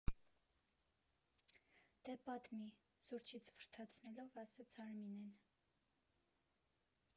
Դե, պատմի, ֊ սուրճից ֆրթացնելով ասաց Արմինեն։